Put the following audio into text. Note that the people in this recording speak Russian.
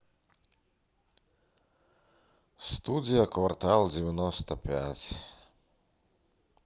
студия квартал девяносто пять